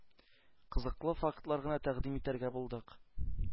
Кызыклы фактлар гына тәкъдим итәргә булдык.